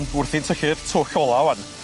...wrthi'n tyllu'r twll ola 'wan.